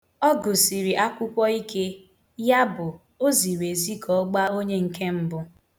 Ọ gụsiri akwụkwọ ike, yabụ o siri ezi ka ọ gbaa onye nke mbụ